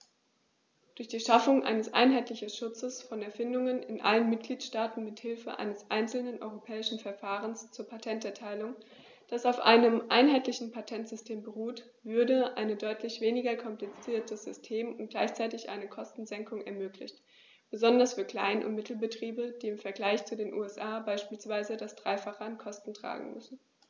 Durch die Schaffung eines einheitlichen Schutzes von Erfindungen in allen Mitgliedstaaten mit Hilfe eines einzelnen europäischen Verfahrens zur Patenterteilung, das auf einem einheitlichen Patentsystem beruht, würde ein deutlich weniger kompliziertes System und gleichzeitig eine Kostensenkung ermöglicht, besonders für Klein- und Mittelbetriebe, die im Vergleich zu den USA beispielsweise das dreifache an Kosten tragen müssen.